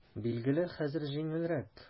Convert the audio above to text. Билгеле, хәзер җиңелрәк.